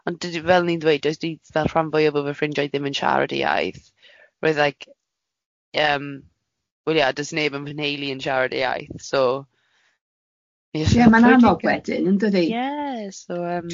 Ond dydi fel o'n i'n dweud oes di fel rhan fwyaf o fy ffrindiau ddim yn siarad y iaith. Roedd like yym, well yeah, does neb yn fy nheulu yn siarad iaith, so ie. Ie mae'n anodd wedyn, yndydi? Yes, so yym.